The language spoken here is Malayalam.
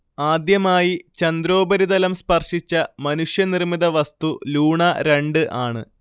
ആദ്യമായി ചന്ദ്രോപരിതലം സ്പർശിച്ച മനുഷ്യനിർമിത വസ്തു ലൂണ രണ്ട് ആണ്